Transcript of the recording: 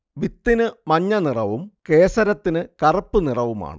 വിത്തിനു മഞ്ഞനിറവും കേസരത്തിനു കറുപ്പു നിറവുമാണ്